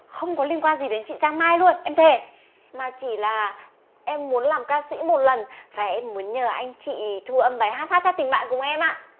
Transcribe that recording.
không có liên quan đến chị giang mai luôn em thề mà chỉ là em muốn làm ca sĩ một lần và em muốn nhờ anh chị thu âm bài hát hát cho tình bạn cùng em ạ